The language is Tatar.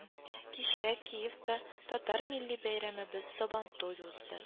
Кичә Киевта татар милли бәйрәмебез Сабантуй узды